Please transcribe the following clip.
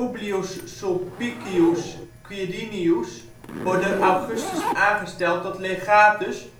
Publius Sulpicius Quirinius wordt door Augustus aangesteld tot legatus